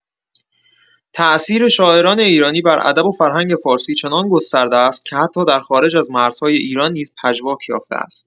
تاثیر شاعران ایرانی بر ادب و فرهنگ فارسی چنان گسترده است که حتی در خارج از مرزهای ایران نیز پژواک یافته است.